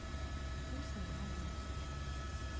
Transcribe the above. песня я монстр